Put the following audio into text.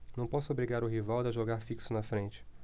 não posso obrigar o rivaldo a jogar fixo na frente